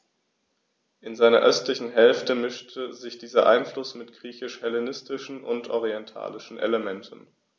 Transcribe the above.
In seiner östlichen Hälfte mischte sich dieser Einfluss mit griechisch-hellenistischen und orientalischen Elementen.